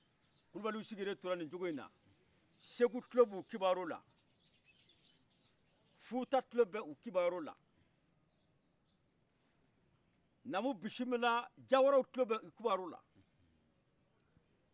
kulubaliw sigilen tora ni cogoyina segu kulob'u kibarula futa kulob'u kibarula namu bisimila jawaraw kulobɛ ou kibarula